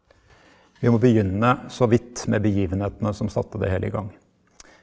vi må begynne så vidt med begivenhetene som satte det hele i gang.